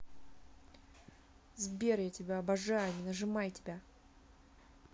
сбер я тебя обожаю не нажимай тебя